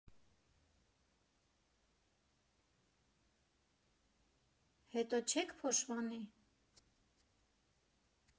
Հետո չե՞ք փոշմանի։